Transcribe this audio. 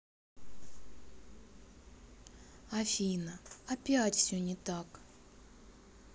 афина опять все не так